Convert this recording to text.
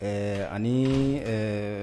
Ɛɛ ani ɛɛ